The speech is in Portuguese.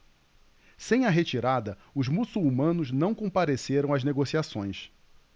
sem a retirada os muçulmanos não compareceram às negociações